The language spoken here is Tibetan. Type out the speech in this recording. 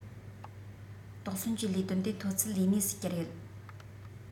དོགས ཟོན གྱི ལས དོན དེ མཐོ ཚད ལས གནས སུ གྱར ཡོད